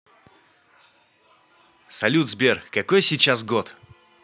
салют сбер какой сичас год